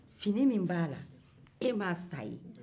fini min b'a la e m'a san a ye